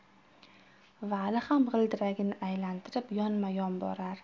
vali ham g'ildiragini aylantirib yonma yon borar